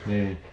niin